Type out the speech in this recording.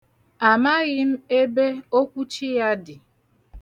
A maghị m ebe okwuchi ya dị.